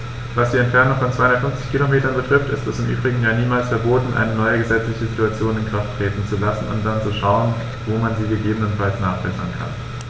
Was die Entfernung von 250 Kilometern betrifft, ist es im Übrigen ja niemals verboten, eine neue gesetzliche Situation in Kraft treten zu lassen und dann zu schauen, wo man sie gegebenenfalls nachbessern kann.